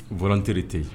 Volonté de te yen